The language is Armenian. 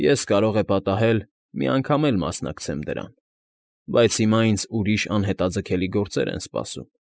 Ես, կարող է պատահել, մի անգամ էլ մասնակցեմ դրան, բայց հիմա ինձ ուրիշ անհետաձգելի գործեր են սպասում։